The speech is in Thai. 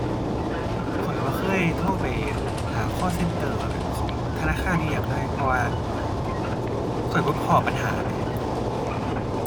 ข้อยบ่เคยโทรไปหา call center ของธนาคารอิหยังเลย เพราะว่าข้อยบ่พ้อปัญหาแหม